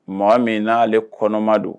Mɔgɔ min n'ale kɔnɔma don